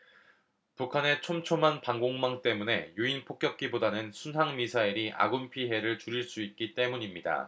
북한의 촘촘한 방공망 때문에 유인 폭격기보다는 순항미사일이 아군 피해를 줄일 수 있기 때문입니다